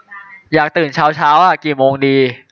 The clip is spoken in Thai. อยากตื่นเช้าเช้าอะกี่โมงดี